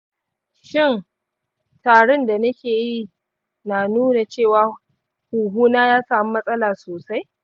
shin tarin da nake yi na nuna cewa huhuna ya samu matsala sosai?